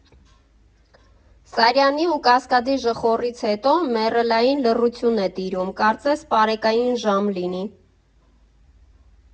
Սարյանի ու Կասկադի ժխորից հետո մեռելային լռություն է տիրում, կարծես պարեկային ժամ լինի։